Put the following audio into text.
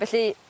felly